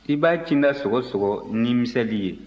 i b'a cinda sɔgɔsɔgɔ ni miseli ye